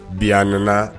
Bi nana